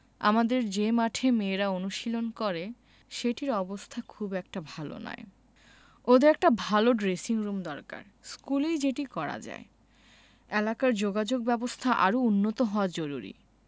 আমাদের যে মাঠে মেয়েরা অনুশীলন করে সেটির অবস্থা খুব একটা ভালো নয় ওদের একটা ভালো ড্রেসিংরুম দরকার স্কুলেই যেটি করা যায় এলাকার যোগাযোগব্যবস্থা আরও উন্নত হওয়া জরুরি